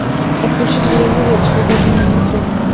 отключи телевизор через одну минуту